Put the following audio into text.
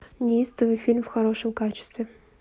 неистовый фильм в хорошем качестве